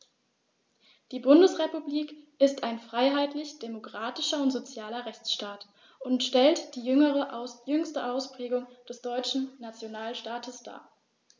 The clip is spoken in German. Die Bundesrepublik ist ein freiheitlich-demokratischer und sozialer Rechtsstaat und stellt die jüngste Ausprägung des deutschen Nationalstaates dar.